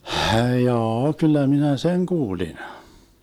jaa kyllä minä sen kuulin